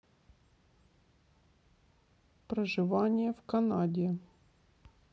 проживание в канаде